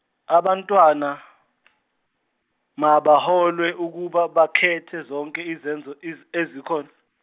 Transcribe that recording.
abantwana mabaholwe ukuba bakhethe zonke izenzo iz- ezikhona.